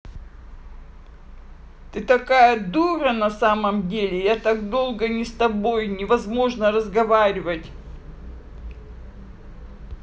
ты такая дура на самом деле я так долго не с тобой невозможно разговаривать